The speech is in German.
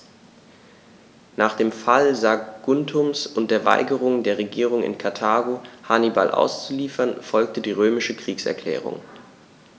Nach dem Fall Saguntums und der Weigerung der Regierung in Karthago, Hannibal auszuliefern, folgte die römische Kriegserklärung.